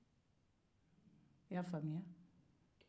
i y'a famuya